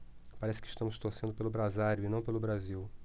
parece que estamos torcendo pelo brasário e não pelo brasil